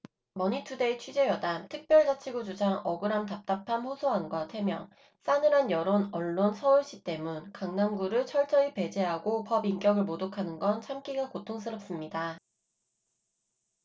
머니투데이 취재여담 특별자치구 주장 억울함 답답함 호소한 것 해명 싸늘한 여론 언론 서울시 때문 강남구를 철저히 배제하고 법인격을 모독하는 건 참기가 고통스럽습니다